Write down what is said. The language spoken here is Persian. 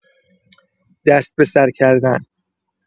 دست به سر کردن